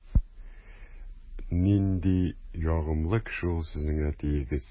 Нинди ягымлы кеше ул сезнең әтиегез!